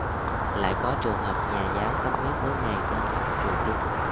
lại có trường hợp nhà giáo tâm huyết với nghề nên lập trường tư thục